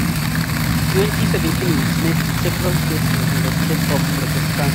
2017 witnessed several cases in the state of Rajasthan.